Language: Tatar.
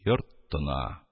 Йорт тына.